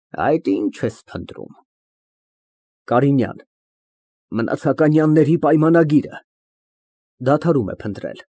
Այդ ի՞նչ ես փնտրում։ ԿԱՐԻՆՅԱՆ ֊ Մնացականյանների պայմանագիրը։ (Դադարում է փնտրել)։